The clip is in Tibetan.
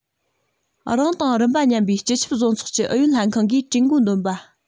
རང དང རིམ པ མཉམ པའི སྤྱི ཁྱབ བཟོ ཚོགས ཀྱི ཨུ ཡོན ལྷན ཁང གིས གྲོས འགོ འདོན པ